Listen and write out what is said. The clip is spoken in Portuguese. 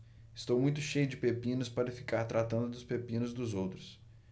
estou muito cheio de pepinos para ficar tratando dos pepinos dos outros